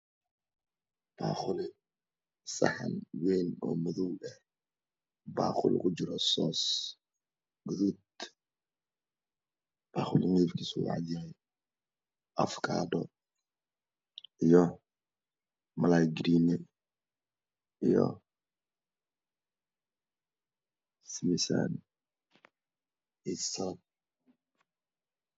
Baaquli saxan wayn oo madow ah baaquli kujira soos gudud baaquli midabkisu cadyahya afkaandho iyo malay garinan iyo is misaan iyo saladh